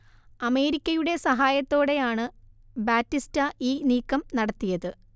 അമേരിക്കയുടെ സഹായത്തോടെയാണ് ബാറ്റിസ്റ്റ ഈ നീക്കം നടത്തിയത്